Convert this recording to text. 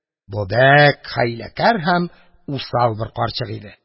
Бу бәк хәйләкәр һәм усал бер карчык иде.